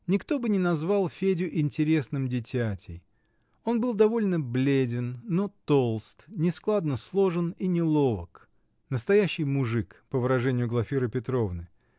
Никто бы не назвал Федю интересным дитятей: он был довольно бледен, но толст, нескладно сложен и неловок, -- настоящий мужик, по выражению Глафиры Петровны